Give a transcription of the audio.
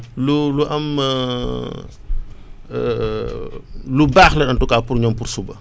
lu lu am lu baax la en tout cas pour ñoom pour suba